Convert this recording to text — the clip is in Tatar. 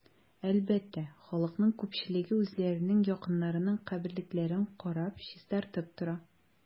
Әлбәттә, халыкның күпчелеге үзләренең якыннарының каберлекләрен карап, чистартып тора.